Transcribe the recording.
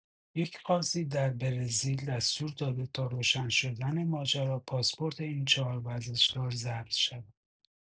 یک قاضی در برزیل دستور داده تا روشن شدن ماجرا، پاسپورت این چهار ورزشکار ضبط شود.